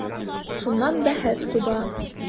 Шуннан бәхәс куба.